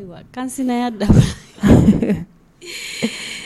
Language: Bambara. Kansinaya da